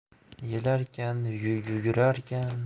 yelarkan yugurarkan